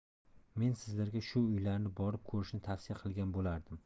men sizlarga shu uylarni borib ko'rishni tavsiya qilgan bo'lardim